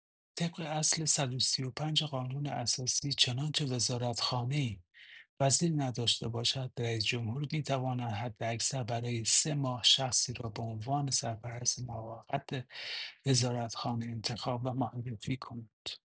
طبق اصل ۱۳۵ قانون اساسی چنانچه وزارت‌خانه‌ای وزیر نداشته باشد، رئیس‌جمهور می‌تواند حداکثر برای سه‌ماه شخصی را به عنوان سرپرست موقت وزارتخانه انتخاب و معرفی کند.